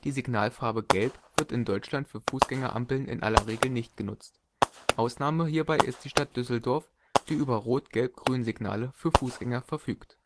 Signalfarbe „ Gelb “wird in Deutschland für Fußgängerampeln in aller Regel nicht genutzt. Ausnahme hierbei ist die Stadt Düsseldorf, die über „ Rot-Gelb-Grün “- Signale für Fußgänger verfügt